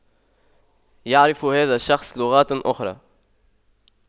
يعرف هذا الشخص لغات أخرى